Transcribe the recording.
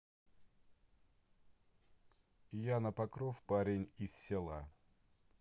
аня покров парень из села